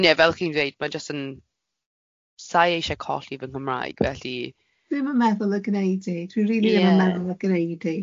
Ond ie fel chi'n ddweud, mae jyst yn, 'sa i eisiau colli fy Cymraeg, felly... Dwi'm yn meddwl y gneud i, dwi rili... Ie. ....ddim yn meddwl y gneud i.